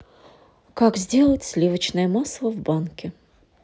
как сделать сливочное масло в банке